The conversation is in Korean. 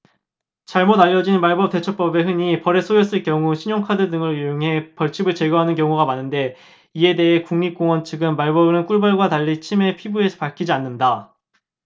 잘못 알려진 말벌 대처법흔히 벌에 쏘였을 경우 신용카드 등을 이용해 벌침을 제거하는 경우가 많은데 이에 대해 국립공원 측은 말벌은 꿀벌과 달리 침이 피부에 박히지 않는다